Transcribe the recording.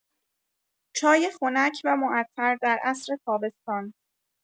چای خنک و معطر در عصر تابستان